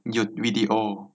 หยุดวีดีโอ